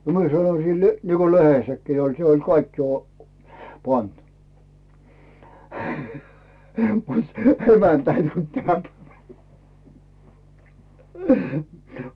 no minä sanoin sille niin kuin lehdessäkin oli se oli kaikki - pantu mutta emäntä ei tullut -